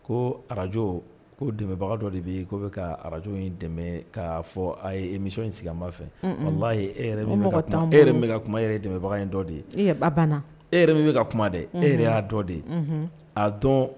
Ko arajo ko dɛmɛbaga dɔ de bɛ ko bɛ ka arajo dɛmɛ kaa fɔ a yemi in sigiba fɛ wala e yɛrɛ tan e min ka kuma yɛrɛ dɛmɛbaga in dɔ de ye banna e yɛrɛ min bɛ ka kuma de ere' dɔ de ye a dɔn